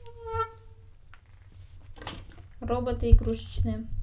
роботы игрушечные